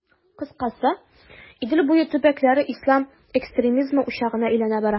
Кыскасы, Идел буе төбәкләре ислам экстремизмы учагына әйләнә бара.